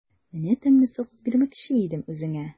Менә тәмле сагыз бирмәкче идем үзеңә.